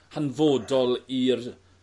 hanfodol i'r